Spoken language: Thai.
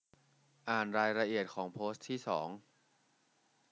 อ่านรายละเอียดของโพสต์ที่สอง